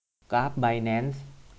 กราฟไบแนนซ์